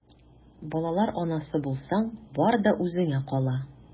Балалар анасы булсаң, бар да үзеңә кала...